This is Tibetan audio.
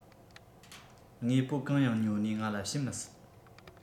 དངོས པོ གང ཡང ཉོ ནས ང ལ བྱིན མི སྲིད